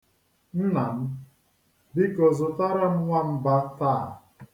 Nna m, biko zụtara m nwamba taa.